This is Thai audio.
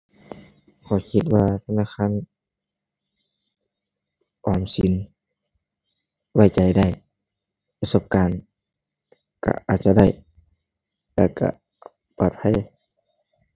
ข้อยคิดว่าธนาคารออมสินไว้ใจได้ ประสบการณ์ก็อาจจะได้ แล้วก็ปลอดภัย